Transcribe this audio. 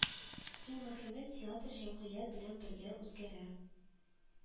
Иң мөһиме, театр җәмгыять белән бергә үзгәрә